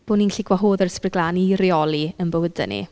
Bod ni'n gallu gwahodd yr Ysbryd Glân i reoli yn bywydau ni.